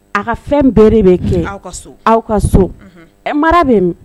Aw ka fɛn bɛɛ de bɛ kɛ aw ka so aw ka so, unhun, e mara bɛ min